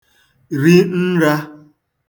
ri nrā